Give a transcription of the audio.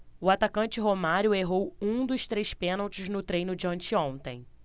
o atacante romário errou um dos três pênaltis no treino de anteontem